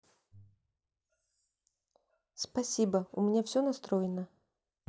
спасибо у меня все настроено